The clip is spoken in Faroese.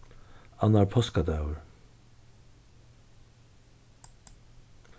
annar páskadagur